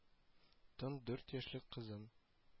Тын дүрт яшьлек кызын